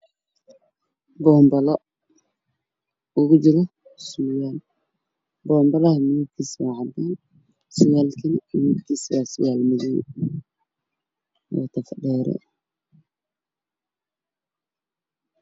Waa boonbalo ay ku dhex jiraan dhalooyin dhalooyinkaas oo timaha lagu bixiyo